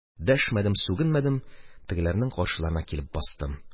Дәшмәдем, сүгенмәдем – тегеләрнең каршыларына килеп бастым.